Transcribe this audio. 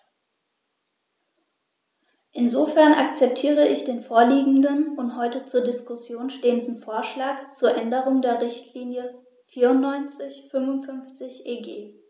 Insofern akzeptiere ich den vorliegenden und heute zur Diskussion stehenden Vorschlag zur Änderung der Richtlinie 94/55/EG.